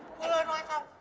vừa nói xong